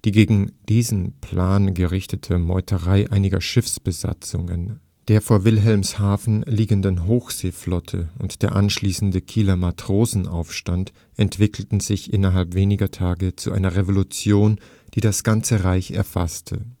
gegen diesen Plan gerichtete Meuterei einiger Schiffsbesatzungen der vor Wilhelmshaven liegenden Hochseeflotte und der anschließende Kieler Matrosenaufstand entwickelten sich innerhalb weniger Tage zu einer Revolution, die das ganze Reich erfasste